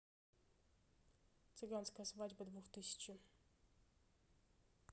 цыганская свадьба двух тысячи